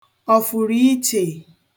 ọ̀fụ̀rụ̀ichè